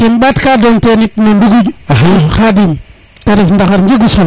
kem ɓaat ka den ten yit no ɗuŋuñ Khadim te ref ndaxar njegu solo